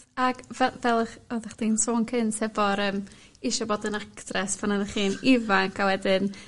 Ag fel fel o'ch oddach di'n cynt hefo'r yym isio bod yn actores pan oddach chi'n ifanc a wedyn